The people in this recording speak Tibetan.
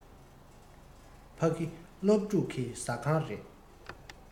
ཕ གི སློབ ཕྲུག གི ཟ ཁང རེད